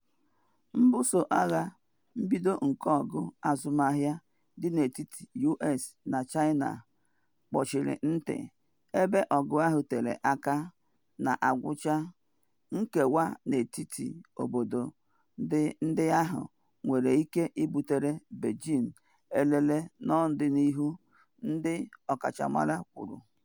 Mbuso agha mbido nke ọgụ azụmahịa dị n’etiti US na China kpuchiri nti, ebe ọgụ ahụ tere aka na ngwụcha, nkewa n’etiti obodo ndị ahụ nwere ike ibuteere Beijing elele n’ọdịnihu, ndị ọkachamara kwuru.